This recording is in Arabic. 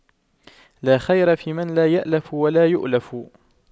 لا خير فيمن لا يَأْلَفُ ولا يؤلف